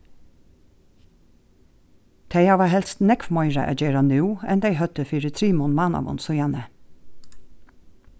tey hava helst nógv meira at gera nú enn tey høvdu fyri trimum mánaðum síðani